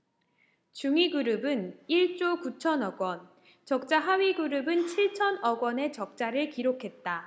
중위그룹은 일 조 구천 억원 적자 하위그룹은 칠천 억원 의 적자를 기록했다